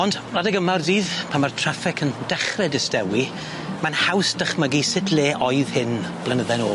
Ond, 'r adeg yma o'r dydd, pan ma'r traffig yn dechre distewi ma'n haws dychmygu sut le oedd hyn blynydde nôl.